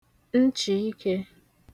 nchị̀ ikē